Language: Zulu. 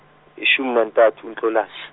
yishumi nantathu uNhlolan-.